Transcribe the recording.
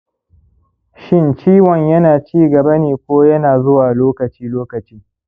shin ciwon yana ci gaba ne ko yana zuwa lokaci-lokaci?